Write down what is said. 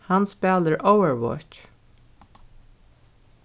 hann spælir overwatch